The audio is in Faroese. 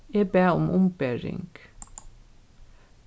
eg bað um umbering